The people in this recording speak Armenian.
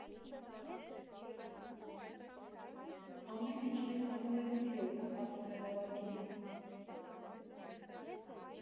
«Ամեն ինչ մենք անում ենք սիրով»,֊ ասում է Հովակիմը։